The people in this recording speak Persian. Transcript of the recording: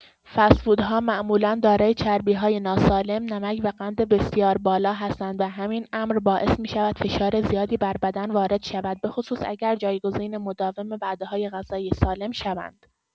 فست‌فودها معمولا دارای چربی‌های ناسالم، نمک و قند بسیار بالا هستند و همین امر باعث می‌شود فشار زیادی بر بدن وارد شود، به‌خصوص اگر جایگزین مداوم وعده‌های غذایی سالم شوند.